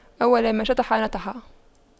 أول ما شطح نطح